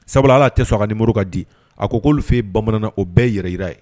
Sabula ala tɛ sɔn a ka numéro ka di , a ko k'olu fɛ bamanan ,o bɛɛ ye yɛrɛ yira ye!